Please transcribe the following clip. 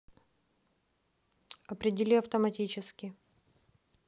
определи автоматически